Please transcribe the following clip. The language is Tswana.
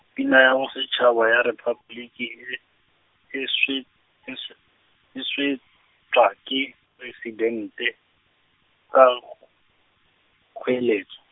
pina ya bosetshaba ya Repaboliki e, e swe-, e se-, e swetswa ke, Poresidente, ka kg-, kgoeletso.